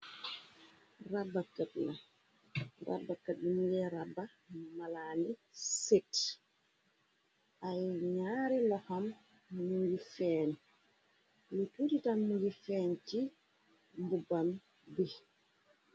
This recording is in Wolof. Rabbakat yuñungay rabba malaa ni sit ay ñaari loxam mungi feen lu tuuritammu ngi feen ci mbubam bi.